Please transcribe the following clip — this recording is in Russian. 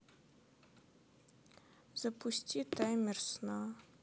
запусти таймер сна